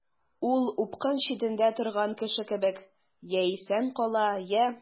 Ул упкын читендә торган кеше кебек— я исән кала, я...